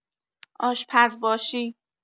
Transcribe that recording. آشپز باشی